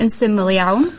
yn syml iawn